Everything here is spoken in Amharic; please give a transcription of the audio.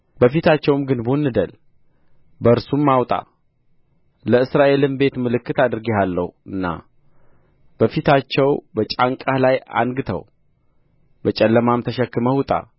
በፊታቸውም ግንቡን ንደል በእርሱም አውጣ ለእስራኤልም ቤት ምልክት አድርጌሃለሁና በፊታቸው በጫንቃህ ላይ አንግተው በጨለማም ተሸክመህ ውጣ